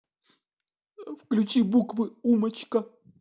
включите буквы умочка